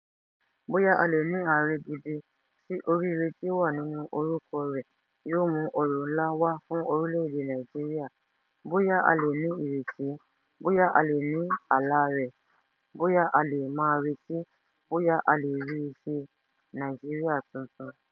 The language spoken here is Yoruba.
Bóyá, a lè ní Ààrẹ gidi tí oríire tí ó wà nínú orúkọ rẹ̀ yóò mú ọrọ̀ ńlá wá fún orílẹ̀-èdè Nigeria, bóyá, a lè ní ìrètí, bóyá, a lè ní àlá rẹ̀, bóyá, a lè máa retí, bóyá, a lè ríi ṣe – Nigeria Tuntun.